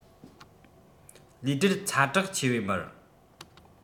ལས བྲེལ ཚ དྲག ཆེ བའི མིར